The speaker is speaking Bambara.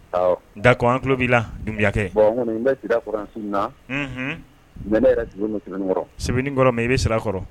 Da ko an tulolo b'i labiya kɛ kɔrɔ mɛ i bɛ sira kɔrɔ